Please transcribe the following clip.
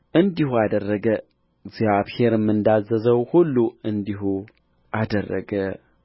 እንዲሁ አደረገ እግዚአብሔር እንዳዘዘው ሁሉ እንዲሁ አደረገ